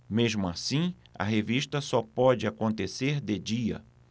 mesmo assim a revista só pode acontecer de dia